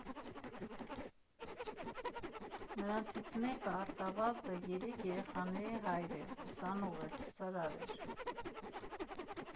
Նրանցից մեկը՝ Արտավազդը, երեք երեխաների հայր է, ուսանող է, ցուցարար էր։